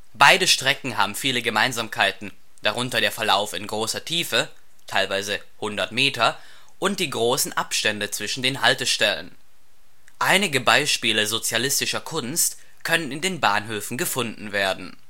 Beide Strecken haben viele Gemeinsamkeiten, darunter den Verlauf in großer Tiefe (teilweise 100 Meter) und die großen Abstände zwischen den Haltestellen. Einige Beispiele sozialistischer Kunst können in den Bahnhöfen gefunden werden